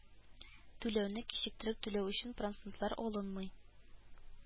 Түләүне кичектереп түләү өчен процентлар алынмый